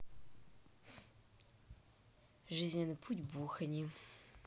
жизненный путь бухани